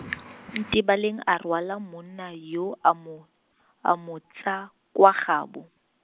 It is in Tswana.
Ntebaleng a rwala monna yo a mo, a mo tsaa, kwa gaabo.